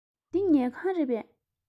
འདི ཉལ ཁང རེད པས